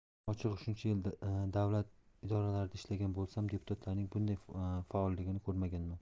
ochig'i shuncha yil davlat idoralarida ishlagan bo'lsam deputatlarning bunday faolligini ko'rmaganman